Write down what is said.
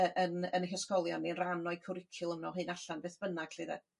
y yn yn eu hysgolion ni yn ran o'i cwricwlwm o hyn allan beth bynnag 'lly 'de?